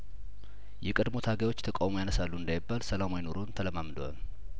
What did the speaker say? የቀድሞ ታጋዮቹ ተቃውሞ ያነሳሉ እንዳይባል ሰላማዊ ኑሮን ተለማም ደዋል